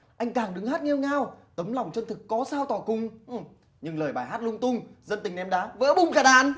anh càng đứng hát nghêu ngao tấm lòng chân thực có sao tỏ cùng nhưng lời bài hát lung tung dân tình ném đá vỡ bung cả đàn